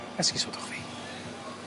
Esgusodwch fi.